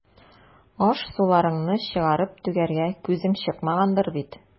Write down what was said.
Аш-суларыңны чыгарып түгәргә күзең чыкмагандыр бит.